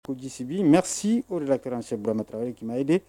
Kosibimesi o de la kɛra se bilamata kama ye di